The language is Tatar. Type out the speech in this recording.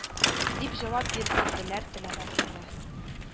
Дип җавап бирде теләр-теләмәс кенә